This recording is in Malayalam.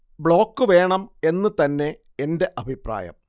ബ്ലോക്ക് വേണം എന്നു തന്നെ എന്റെ അഭിപ്രായം